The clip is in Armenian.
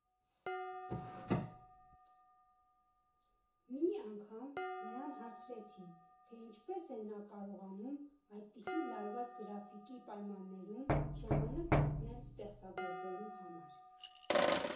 Մի անգամ նրան հարցրեցին, թե ինչպես է նա կարողանում այդպիսի լարված գրաֆիկի պայմաններում ժամանակ գտնել ստեղծագործելու համար։